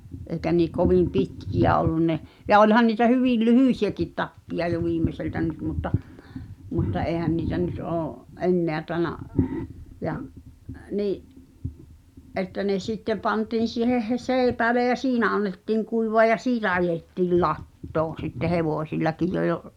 eikä niin kovin pitkiä ollut ne ja olihan niitä hyvin lyhyitäkin tappeja jo viimeiseltä nyt mutta mutta eihän niitä nyt ole enää tainnut ja niin että ne sitten pantiin siihen heinäseipäälle ja siinä annettiin kuivaa ja siitä ajettiin latoon sitten hevosillakin jo ja